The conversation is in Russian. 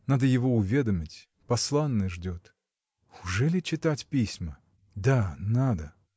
Надо его уведомить: посланный ждет. Ужели читать письма?. Да, надо!.